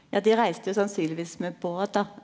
ja dei reiste jo sannsynlegvis med båt då.